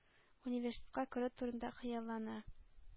Университетка керү турында хыяллана.